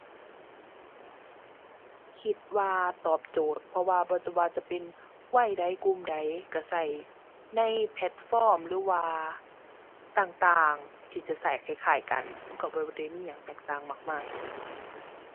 คิดว่าตอบโจทย์ เพราะว่าบ่จะว่าจะเป็น วัยใด กลุ่มใดก็ก็ในแพลตฟอร์มหรือว่าต่างต่าง ที่จะก็คล้ายคล้ายกัน มันก็บ่ว่าได้มีหยังแตกต่างมากมาย